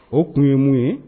O kun ye mun ye